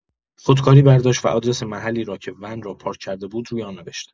خودکاری برداشت و آدرس محلی را که ون را پارک کرده بود، روی آن نوشت.